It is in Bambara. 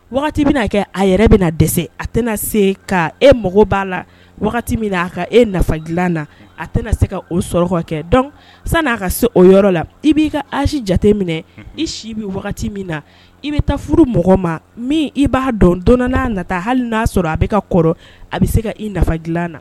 Wagati bɛ'a kɛ a yɛrɛ bɛna dɛsɛ a tɛna se ka e mɔgɔw b' la wagati min aa ka e nafa dila na a tɛna se ka o sɔrɔ kɛ sani aa ka se o yɔrɔ la i b'i ka ayi jate minɛ i si bɛ wagati min na i bɛ taa furu mɔgɔ ma min i b'a dɔn dɔn nata hali n'a sɔrɔ a bɛ ka kɔrɔ a bɛ se ka i nafa dila na